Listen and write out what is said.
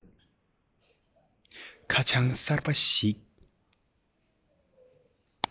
ཁ བྱང གསར པ ཞིག